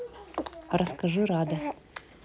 расскажи рада